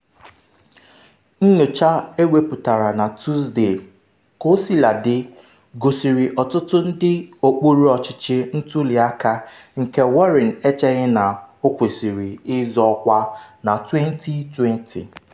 Nyocha ewepụtara na Tọsde, kosiladị, gosiri ọtụtụ ndị okpuru ọchịchị ntuli aka nke Warren echeghị na ọ kwesịrị ịzọ ọkwa na 2020.